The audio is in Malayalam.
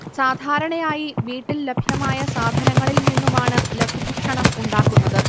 സാധാരണയായി വീട്ടിൽ ലഭ്യമായ സാധനങ്ങളിൽ നിന്നുമാണ് ലഘുഭക്ഷണം ഉണ്ടാക്കുന്നത്